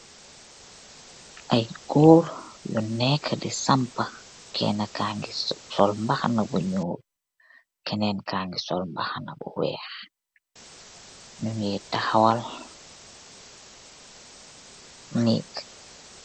goor yuu nehka di sampa nekk.